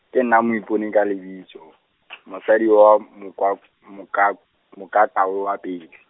ke nna Moiponi ka lebitso , mosadi wa m- Mokwak- , Mokak-, Mokakawe wa pele.